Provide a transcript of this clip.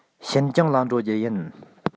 ཤིན ཅང ལ འགྲོ རྒྱུ ཡིན